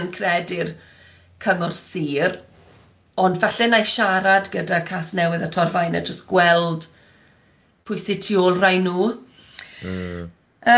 yn credu'r cyngor sir, ond falle wna i siarad gyda Casnewydd a Torfaen a jyst gweld pwy sy' tu ôl rhai nhw yym